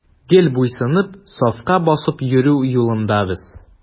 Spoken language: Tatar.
Гел буйсынып, сафка басып йөрү юлында без.